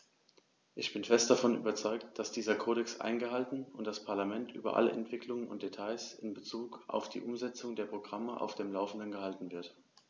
Ich bin fest davon überzeugt, dass dieser Kodex eingehalten und das Parlament über alle Entwicklungen und Details in bezug auf die Umsetzung der Programme auf dem laufenden gehalten wird.